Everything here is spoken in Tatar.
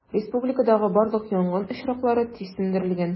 Республикадагы барлык янгын очраклары тиз сүндерелгән.